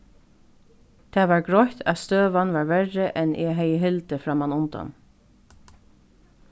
tað var greitt at støðan var verri enn eg hevði hildið frammanundan